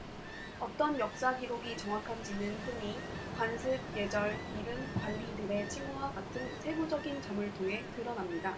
어떤 역사 기록이 정확한지는 흔히 관습 예절 이름 관리들의 칭호와 같은 세부적인 점을 통해 드러납니다